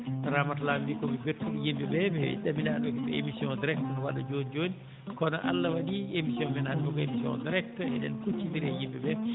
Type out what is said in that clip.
Ramata Lam wi ko mi bettuɗo yimɓe ɓee mi ɗaminanooki émission direct waɗa jooni jooni kono Allah waɗii émission men hannde ko émission direct eɗen kucconndiri e yimɓe ɓee